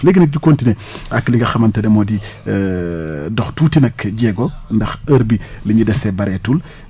léegi nag ñu continué ak li nga xamante ne moo di dox tuuti nag jéego ndax heure bi li ñu dese bareetul